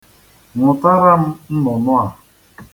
Nwụtara m nnụnụ a.